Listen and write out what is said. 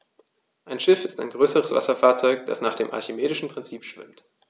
Ein Schiff ist ein größeres Wasserfahrzeug, das nach dem archimedischen Prinzip schwimmt.